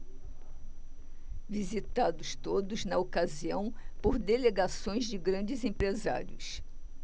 visitados todos na ocasião por delegações de grandes empresários